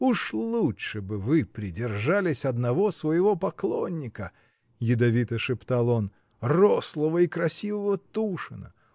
уж лучше бы вы придержались одного своего поклонника, — ядовито шептал он, — рослого и красивого Тушина!